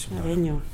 A bɛ ɲa wo.